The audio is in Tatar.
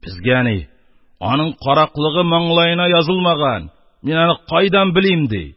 Безгә ни?.. Аның караклыгы маңлаена язылмаган... Мин аны кайдан белим», — ди.